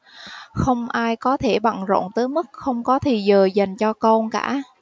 không ai có thể bận rộn tới mức không có thì giờ dành cho con cả